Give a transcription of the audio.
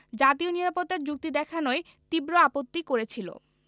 জাতীয় নিরাপত্তা র যুক্তি দেখানোয় তীব্র আপত্তি করেছিল